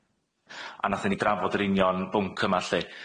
a nathon ni drafod yr union bwnc yma lly.